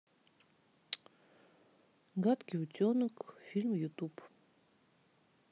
гадкий утенок мультфильм ютуб